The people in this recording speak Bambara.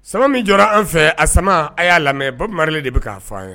Sama min jɔ an fɛ a sama a y'a lamɛn bamananle de bɛ k'a f fɔ a ye